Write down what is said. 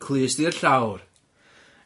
Clust i'r llawr.